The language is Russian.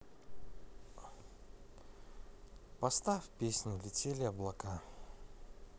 поставь песню летели облака